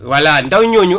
voilà ndaw ñooñu